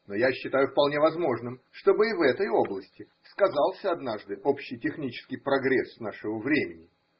Но я считаю вполне возможным, чтобы и в этой области сказался однажды общий технический прогресс нашего времени.